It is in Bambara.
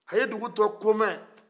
a ye dugu dɔ komɛn